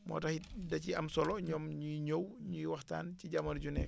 moo tax it da ciy am solo ñoom ñuy ñëw ñuy waxtaan ci jamono ju nekk